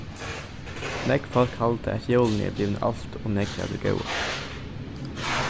nógv fólk halda at jólini eru blivin alt ov nógv av tí góða